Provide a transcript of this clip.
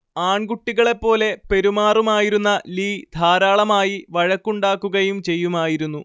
ആൺകുട്ടികളെപ്പോലെ പെരുമാറുമായിരുന്ന ലീ ധാരാളമായി വഴക്കുണ്ടാക്കുകയും ചെയ്യുമായിരുന്നു